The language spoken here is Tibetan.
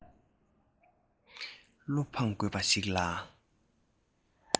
བློ ཕངས དགོས པ ཞིག ལ